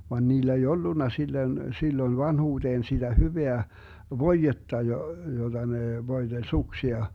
vaan niillä ei ollut silloin silloin vanhuuteen sitä hyvää voidetta - jota ne voiteli suksia